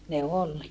ne oli